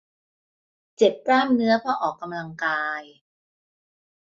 เจ็บกล้ามเนื้อเพราะออกกำลังกาย